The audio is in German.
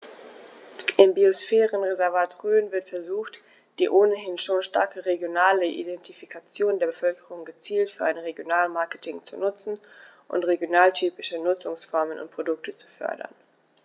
Im Biosphärenreservat Rhön wird versucht, die ohnehin schon starke regionale Identifikation der Bevölkerung gezielt für ein Regionalmarketing zu nutzen und regionaltypische Nutzungsformen und Produkte zu fördern.